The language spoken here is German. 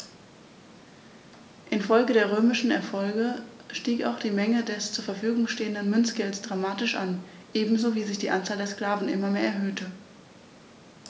Infolge der römischen Erfolge stieg auch die Menge des zur Verfügung stehenden Münzgeldes dramatisch an, ebenso wie sich die Anzahl der Sklaven immer mehr erhöhte.